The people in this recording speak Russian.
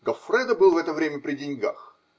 Гоффредо был в это время при деньгах.